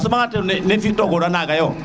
soɓa nga ne fi to gona naga yo